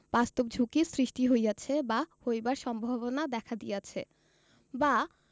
বাস্তব ঝুঁকির সৃষ্টি হইয়াছে বা হইবার সম্ভাবনা দেখা দিয়াছে বা